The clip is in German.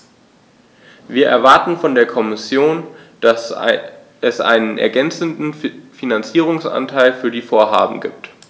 Wir erwarten von der Kommission, dass es einen ergänzenden Finanzierungsanteil für die Vorhaben gibt.